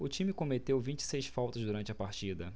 o time cometeu vinte e seis faltas durante a partida